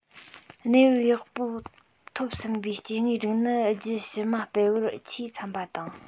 གནས བབས ཡག པོ ཐོབ ཟིན པའི སྐྱེ དངོས རིགས ནི རྒྱུད ཕྱི མ སྤེལ པར ཆེས འཚམ པ དང